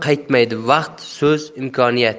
qaytmaydi vaqt so'z imkoniyat